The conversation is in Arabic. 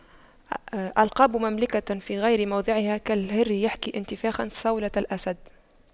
ألقاب مملكة في غير موضعها كالهر يحكي انتفاخا صولة الأسد